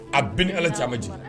A bɛɛ ala caman di